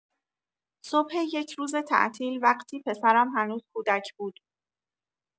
صبح یک روز تعطیل، وقتی پسرم هنوز کودک بود.